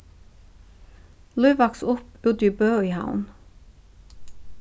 lív vaks upp úti í bø í havn